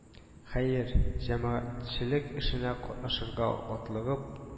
Хәер, җәмәгатьчелек эшенә катнашырга атлыгып